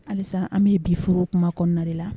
Halisa an bɛ bi furu kuma kɔnɔna na la